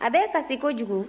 a bɛ kasi kojugu